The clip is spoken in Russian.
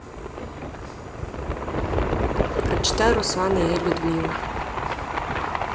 прочитай руслана и людмила